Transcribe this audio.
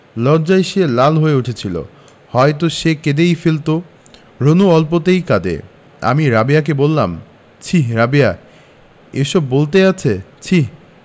লজ্জায় সে লাল হয়ে উঠেছিলো হয়তো সে কেঁদেই ফেলতো রুনু অল্পতেই কাঁদে আমি রাবেয়াকে বললাম ছিঃ রাবেয়া এসব বলতে আছে ছিঃ